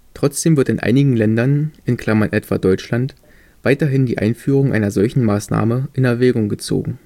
Trotzdem wird in einigen Ländern (etwa Deutschland) weiterhin die Einführung einer solchen Maßnahme in Erwägung gezogen